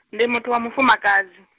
ndi muthu wa mufumakadzi.